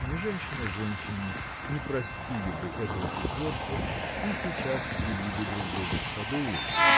ни женщина женщине не простили бы этого притворства и сейчас свели бы друг друга с ходулей.